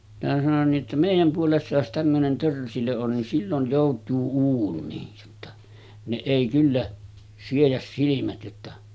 minä sanoin niin että meidän puolessa jos tämmöinen törsilö on niin silloin joutuu uuniin jotta ne ei kyllä siedä silmät jotta